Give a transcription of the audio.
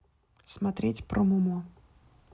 смотреть про момо